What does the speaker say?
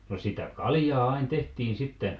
no sitä kaljaa aina tehtiin sitten